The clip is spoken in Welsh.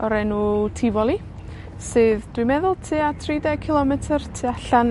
o'r enw Tivoli, sydd, dwi'n meddwl tua tri deg cilometyr tu allan